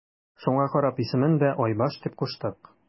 Шуңа карап исемен дә Айбаш дип куштык.